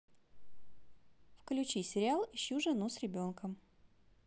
включи сериал ищу жену с ребенком